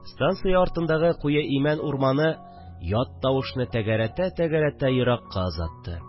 Станция артындагы куе имән урманы ят тавышны тәгәрәтә-тәгәрәтә еракка озатты